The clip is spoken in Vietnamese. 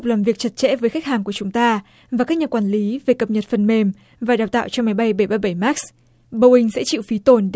làm việc chặt chẽ với khách hàng của chúng ta và các nhà quản lý về cập nhật phần mềm và đào tạo cho máy bay bảy mươi bảy max bâu ing sẽ chịu phí tổn để